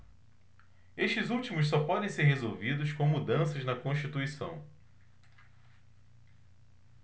estes últimos só podem ser resolvidos com mudanças na constituição